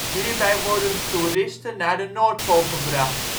Hierbij worden toeristen naar de Noordpool gebracht